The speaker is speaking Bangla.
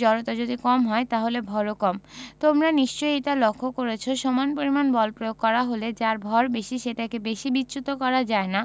জড়তা যদি কম হয় তাহলে ভরও কম তোমরা নিশ্চয়ই এটা লক্ষ করেছ সমান পরিমাণ বল প্রয়োগ করা হলে যার ভর বেশি সেটাকে বেশি বিচ্যুত করা যায় না